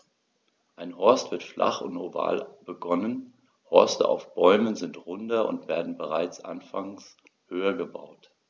Ein Horst wird flach und oval begonnen, Horste auf Bäumen sind runder und werden bereits anfangs höher gebaut.